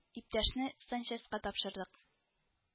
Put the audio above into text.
Иптәшне санчастька тапшырдык